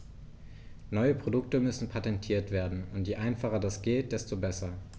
Neue Produkte müssen patentiert werden, und je einfacher das geht, desto besser.